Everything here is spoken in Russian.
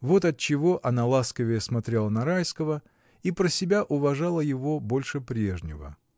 Вот отчего она ласковее смотрела на Райского и про себя уважала его больше прежнего.